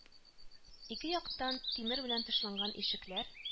Ике якта тимер белән тышланган ишекләр